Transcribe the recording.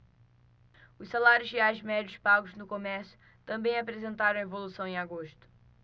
os salários reais médios pagos no comércio também apresentaram evolução em agosto